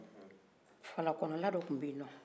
fala kɔnɔnan dɔ tun bɛ yenɔn